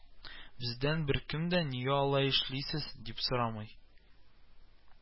Бездән беркем дә, нигә алай эшлисез, дип сорамый